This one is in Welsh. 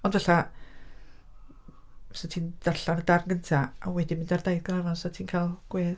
Ond ella, 'sa ti'n darllen y darn gyntaf ac wedyn mynd ar daith i Gaernarfon 'sa ti'n cael gwedd...